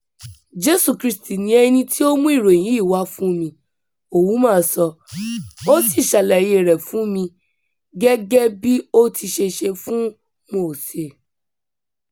Jésù Kristì ni ẹni tí ó mú ìròyìn yìí wá fún mi, Ouma sọ, ó sì ṣàlàyée rẹ̀ fún mi gẹ́gẹ́ bí ó ti ṣe ṣe fún Mósè.